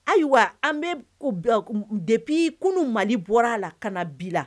Ayiwa an bɛ depi kununu mali bɔra a la ka bi la